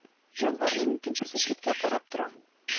Җанварның икенчесе читкә карап тора